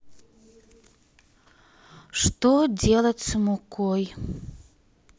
что делать с мукой